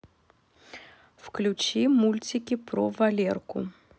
включи мультики про валерку